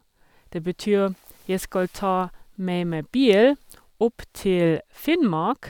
Det betyr, jeg skal ta med meg bil opp til Finnmark.